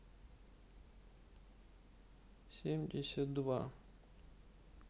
семьдесят два